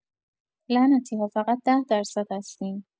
لعنتی‌ها فقط ده درصد هستین